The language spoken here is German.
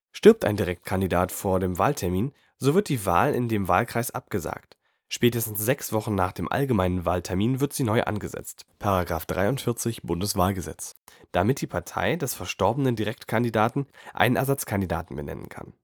Stirbt ein Direktkandidat vor dem Wahltermin, so wird die Wahl in dem Wahlkreis abgesagt. Spätestens sechs Wochen nach dem allgemeinen Wahltermin wird sie neu angesetzt (§ 43 BWahlG), damit die Partei des verstorbenen Direktkandidaten einen Ersatzkandidaten benennen kann